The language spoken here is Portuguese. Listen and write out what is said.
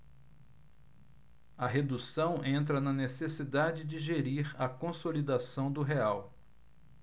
a redução entra na necessidade de gerir a consolidação do real